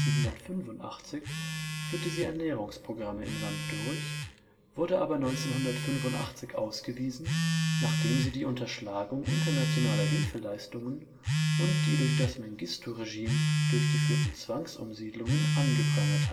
1985 führte sie Ernährungsprogramme im Land durch, wurde aber 1985 ausgewiesen, nachdem sie die Unterschlagung internationaler Hilfeleistungen und die durch das Mengistu-Regime durchgeführten Zwangsumsiedlungen angeprangert